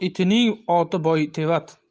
itining oti boytevat